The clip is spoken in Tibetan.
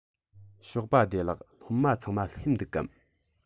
ཞོགས པ བདེ ལེགས སློབ མ ཚང མ སླེབས འདུག གམ